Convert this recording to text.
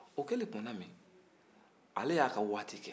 o kɛlen tuma min ale y'a ka waati kɛ